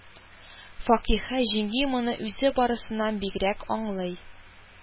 Факиһә җиңги моны үзе барысыннан бигрәк аңлый